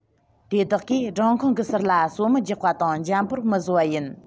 དེ དག གིས སྦྲང ཁང གི ཟུར ལ སོ མི རྒྱག པ དང འཇམ པོར མི བཟོ བ ཡིན